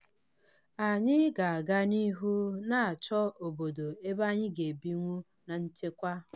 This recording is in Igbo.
Anyị ga-aga n'ihu na-achọ obodo ebe anyị ga-ebinwu na nchekwa.